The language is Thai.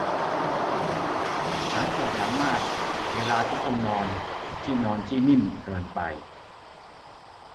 ฉันปวดหลังมากเวลาที่ต้องนอนที่นอนที่นิ่มเกินไป